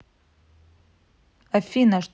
афина что за фигня